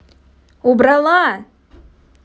убрала